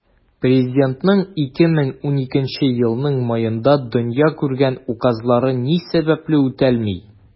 Президентның 2012 елның маенда дөнья күргән указлары ни сәбәпле үтәлми?